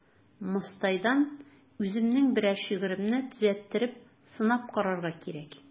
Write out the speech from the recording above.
Мостайдан үземнең берәр шигыремне төзәттереп сынап карарга кирәк.